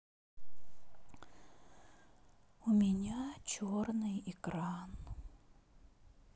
у меня черный экран